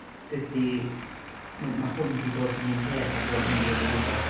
dydi... ma- mae hwn 'di bod yr un peth am bron mil o flynyddoedd.